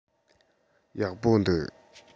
ཡག པོ འདུག